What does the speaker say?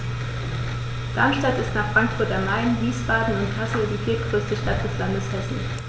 Darmstadt ist nach Frankfurt am Main, Wiesbaden und Kassel die viertgrößte Stadt des Landes Hessen